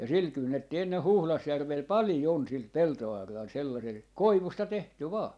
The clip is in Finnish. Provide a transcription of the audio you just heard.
ja sillä kynnettiin ennen Huhdasjärvellä paljon sillä peltoauralla sellaisella koivusta tehty vain